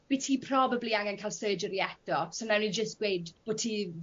by' ti probably angen ca'l surgery eto so nawn ni jyst gweud bo' ti